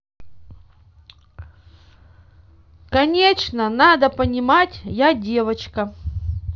конечно надо понимать я девочка